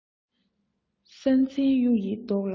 ས འཛིན གཡུ ཡི མདོག ལ